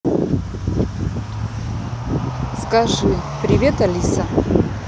скажи привет алиса